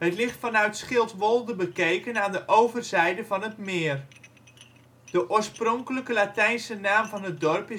ligt vanuit Schildwolde bekeken aan de overzijde van het meer. De oorspronkelijke (Latijnse) naam van het dorp